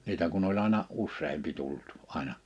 niitä kun oli aina useampi tullut aina